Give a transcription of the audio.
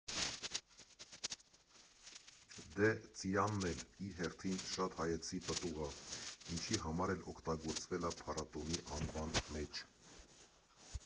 Դե, ծիրանն էլ իր հերթին շատ հայեցի պտուղ ա, ինչի համար էլ օգտագործվել ա փառատոնի անվան մեջ։